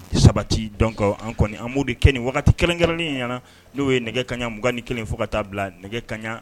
Sabati dɔnkaw an kɔni amadu de kɛ nin wagati kelenkɛrɛnnen ɲɛnaana n'o ye nɛgɛ kaɲaugan ni kelen fo ka taa bila nɛgɛ kaɲa